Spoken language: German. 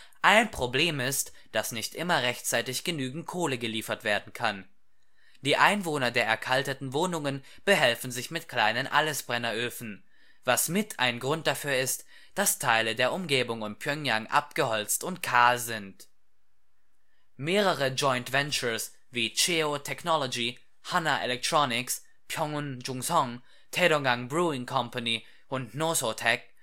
Ein Problem ist, dass nicht immer rechtzeitig genügend Kohle geliefert werden kann. Die Einwohner der erkalteten Wohnungen behelfen sich mit kleinen Allesbrenneröfen, was mit ein Grund dafür ist, dass Teile der Umgebung von Pjöngjang abgeholzt und kahl sind. Mehrere Joint Ventures wie Cheo Technology, Hana Electronics, Phyongun Jungsong, Taedonggang Brewing Company und Nosotek